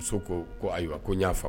Muso ko , ko ayiwa ko n ya famuya.